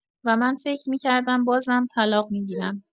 و من فکر می‌کردم بازم طلاق می‌گیرم.